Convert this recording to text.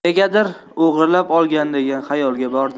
negadir o'g'irlab olgan degan xayolga bordim